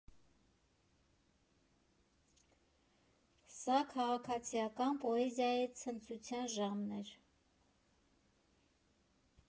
Սա քաղաքացիական պոեզիայի ցնծության ժամն էր։